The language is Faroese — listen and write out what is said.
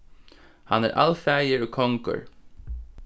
hann er alfaðir og kongur